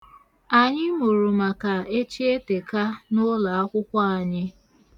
Anyị mụrụ maka echietèka n'ụlọakwụkwọ anyị.